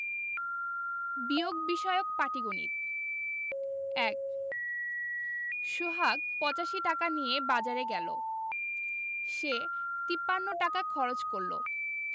বিয়োগ বিষয়ক পাটিগনিতঃ ১ সোহাগ ৮৫ টাকা নিয়ে বাজারে গেল সে ৫৩ টাকা খরচ করল